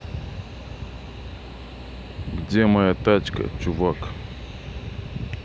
где моя тачка чувак